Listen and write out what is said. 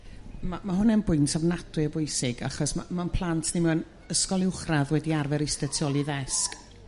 Ma' ma' hwna'n bwynt ofnadwy o bwysig achos m- ma'n plant ni mewn ysgol uwchradd wedi arfer 'iste' tu ol i ddesg.